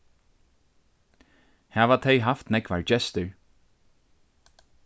hava tey havt nógvar gestir